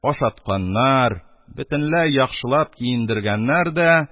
Ашатканнар, бөтенләй яхшылап киендергәннәр дә